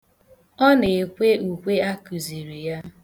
Ọ na-ekwe ukwe a kụziri ya.